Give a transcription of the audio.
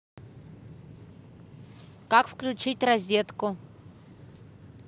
как включить розетку